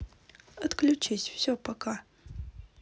отключись все пока